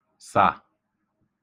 sà